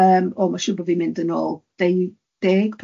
Yym o ma' siŵr bo' fi'n mynd yn ôl deu- deg